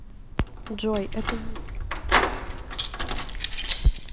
джой это виктор